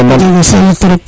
a jega solo trop